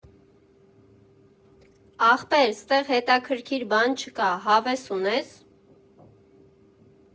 «Ախպեր, ստեղ հետաքրքիր բան չկա, հավես ունե՞ս»։